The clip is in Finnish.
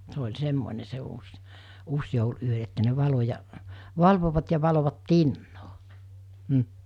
se oli semmoinen se uusi uusijoulu yö että ne valoi ja valvoivat ja valoivat tinaa mm